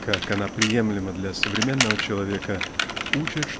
как она приемлема для современного человека учит